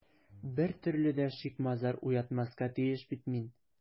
Бер төрле дә шик-мазар уятмаска тиеш бит мин...